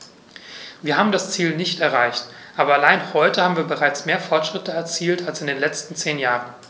Wir haben das Ziel nicht erreicht, aber allein heute haben wir bereits mehr Fortschritte erzielt als in den letzten zehn Jahren.